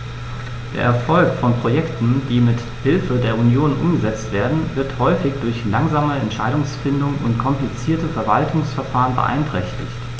Der Erfolg von Projekten, die mit Hilfe der Union umgesetzt werden, wird häufig durch langsame Entscheidungsfindung und komplizierte Verwaltungsverfahren beeinträchtigt.